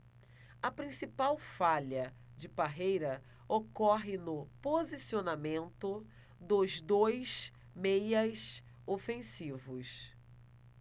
a principal falha de parreira ocorre no posicionamento dos dois meias ofensivos